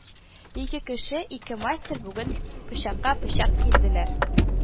Ике кеше, ике мастер бүген пычакка-пычак килделәр: